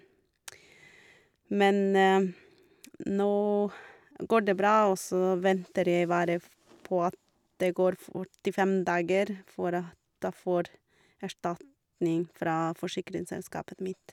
Men nå går det bra, og så venter jeg bare f på at det går førtifem dager, for at jeg får erstatning fra forsikringsselskapet mitt.